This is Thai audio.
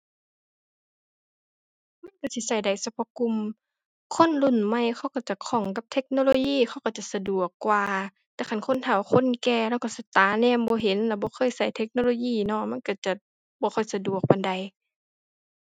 มันสิใช้ได้เฉพาะกลุ่ม คนรุ่นใหม่เขาก็จะคล่องกับเทคโนโลยีเขาก็จะสะดวกกว่า แต่คันคนเฒ่าคนแก่เลาใช้สิตาแนมบ่เห็น แล้วบ่เคยใช้เทคโนโลยีเนาะ มันใช้จะบ่ค่อยสะดวกปานใด